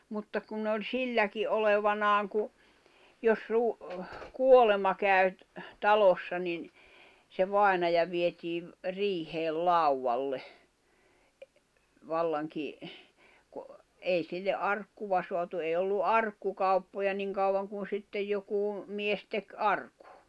mutta kun ne oli silläkin olevinaan kun jos - kuolema kävi talossa niin se vainaja vietiin riiheen laudalle vallankin kun ei sille arkkua saatu ei ollut arkkukauppoja niin kauan kun sitten joku mies teki arkun